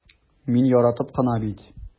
Мин яратып кына бит...